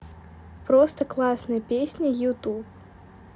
просто классная песня youtube